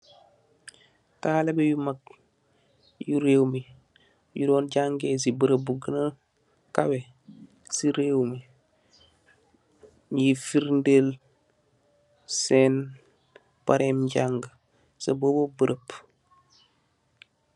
Taalibeh yu mak, yu raiw mi, yu doon jangee si beaureaubu geaunah kawe, si raiw mi, nyii firdail, sen, pareem jangh sah booba beaureaup.